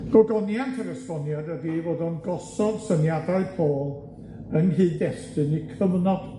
Gogoniant yr esboniad ydi 'i fod o'n gosod syniadau Paul yng nghyd-destun 'i cyfnod.